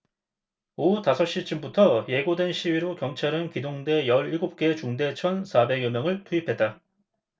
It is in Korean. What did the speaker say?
오후 다섯 시쯤부터 예고된 시위로 경찰은 기동대 열 일곱 개 중대 천 사백 여 명을 투입했다